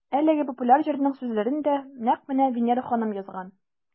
Әлеге популяр җырның сүзләрен дә нәкъ менә Винера ханым язган.